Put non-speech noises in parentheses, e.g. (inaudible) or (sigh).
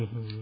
(hesitation) (hesitation)